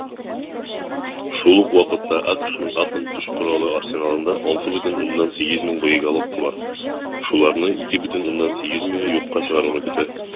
Шул ук вакытта АКШның атом төш коралы арсеналында 6,8 мең боеголовка бар, шуларны 2,8 меңе юкка чыгаруны көтә.